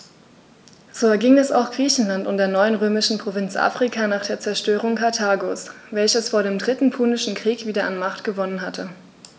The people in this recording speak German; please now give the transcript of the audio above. So erging es auch Griechenland und der neuen römischen Provinz Afrika nach der Zerstörung Karthagos, welches vor dem Dritten Punischen Krieg wieder an Macht gewonnen hatte.